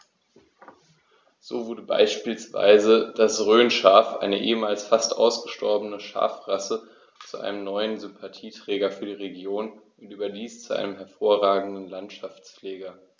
So wurde beispielsweise das Rhönschaf, eine ehemals fast ausgestorbene Schafrasse, zu einem neuen Sympathieträger für die Region – und überdies zu einem hervorragenden Landschaftspfleger.